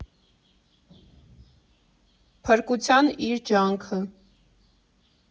Փրկության իր ջանքը։